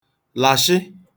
làshị